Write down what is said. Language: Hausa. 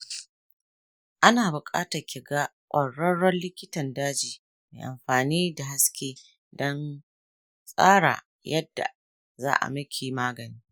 ya kamata kiga kwararren likitan daji mai amfani da haske don tsara yadda za'a miki magani.